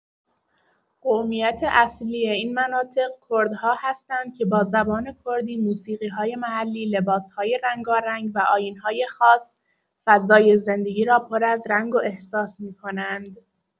قومیت اصلی این مناطق، کردها هستند که با زبان کردی، موسیقی‌‌های محلی، لباس‌های رنگارنگ و آیین‌های خاص، فضای زندگی را پر از رنگ و احساس می‌کنند.